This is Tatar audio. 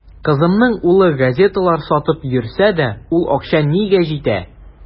Кызымның улы газеталар сатып йөрсә дә, ул акча нигә җитә.